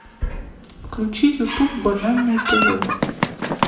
включи ютуб банальное тв